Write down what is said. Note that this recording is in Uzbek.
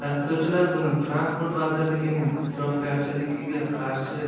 dasturchilar buni transport vazirligining isrofgarchiligiga qarshi